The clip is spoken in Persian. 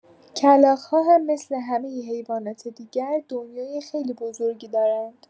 کلاغ‌ها هم مثل همه حیوانات دیگر، دنیای خیلی بزرگی دارند.